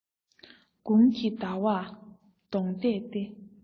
དགུང གི ཟླ བར གདོང གཏད དེ